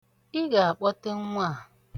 Ị ga-akpọte nnwa a.